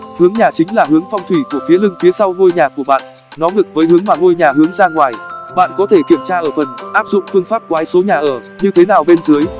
hướng nhà chính là hướng phong thủy của phía lưng phía sau ngôi nhà của bạn nó ngược với hướng mà ngôi nhà hướng ra ngoài bạn có thể kiểm tra ở phần áp dụng phương pháp quái số nhà ở như thế nào bên dưới